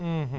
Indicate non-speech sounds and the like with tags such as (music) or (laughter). (hesitation) (hesitation)